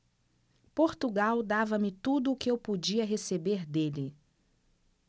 portugal dava-me tudo o que eu podia receber dele